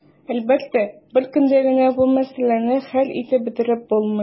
Әлбәттә, бер көндә генә бу мәсьәләләрне хәл итеп бетереп булмый.